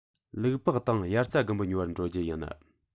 ལུག པགས དང དབྱར རྩྭ དགུན འབུ ཉོ བར འགྲོ རྒྱུ ཡིན